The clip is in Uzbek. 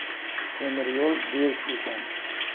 temir yo'l berk ekan